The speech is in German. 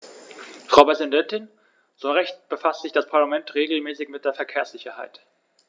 Frau Präsidentin, zu Recht befasst sich das Parlament regelmäßig mit der Verkehrssicherheit.